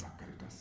waa Caritas